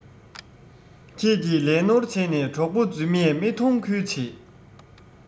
ཁྱེད ཀྱི ལས ནོར བྱས ནས གྲོགས པོ རྫུན མས མི མཐོང ཁུལ བྱེད